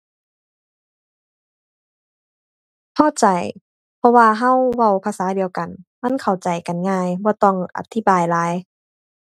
พอใจ เพราะว่าเราเว้าภาษาเดียวกัน มันเข้าใจกันง่าย บ่ต้องอธิบายหลาย